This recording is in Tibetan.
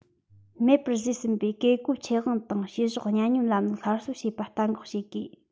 མེད པར བཟོས ཟིན པའི བཀས བཀོད ཆེད དབང དང བཤུ གཞོག གཉའ གནོན ལམ ལུགས སླར གསོ བྱེད པ གཏན འགོག བྱེད དགོས